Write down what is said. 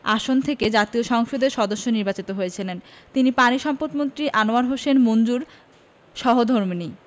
আসন থেকে জাতীয় সংসদের সদস্য নির্বাচিত হয়েছিলেন তিনি পানিসম্পদমন্ত্রী আনোয়ার হোসেন মঞ্জুর সহধর্মিণী